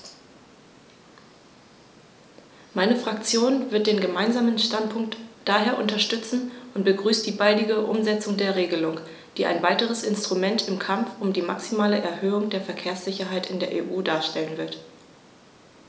Meine Fraktion wird den Gemeinsamen Standpunkt daher unterstützen und begrüßt die baldige Umsetzung der Regelung, die ein weiteres Instrument im Kampf um die maximale Erhöhung der Verkehrssicherheit in der EU darstellen wird.